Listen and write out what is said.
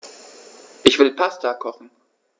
Ich will Pasta kochen.